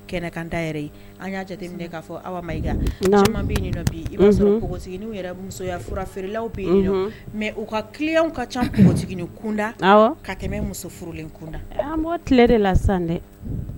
Kɛnɛ kan ta yɛrɛ, an ya jate minɛ k'a fɔ Awa Mayiga, caaman b yen bi, i b'a sɔrɔ mbogoiginiw yɛrɛ musoya fura feerelaw bɛ yen nɔ mais u ka clients ka caa mbokoigini kunda , awɔ, ka tɛmɛ muso furulen kunda, an b'o tile de la sisan dɛ.